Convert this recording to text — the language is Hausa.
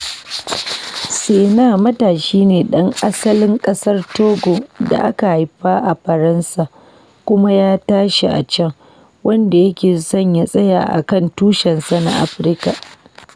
Sena matashi ne ɗan asalin ƙasar Togo da aka haifa a Faransa kuma ya tashi a can, wanda yake son ya tsaya a kan tushensa na Afirka.